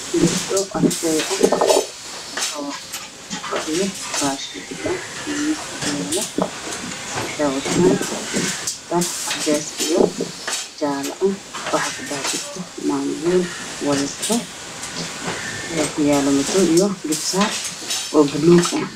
Gabdho arday ah oo fadhiyo